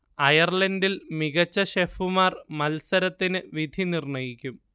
അയർലണ്ടിൽ മികച്ച ഷെഫുമാർ മത്സരത്തിനു വിധി നിര്ണയിക്കും